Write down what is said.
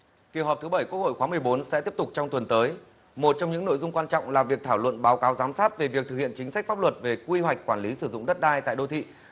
kỳ họp thứ bảy quốc hội khóa mười bốn sẽ tiếp tục trong tuần tới một trong những nội dung quan trọng là việc thảo luận báo cáo giám sát về việc thực hiện chính sách pháp luật về quy hoạch quản lý sử dụng đất đai tại đô thị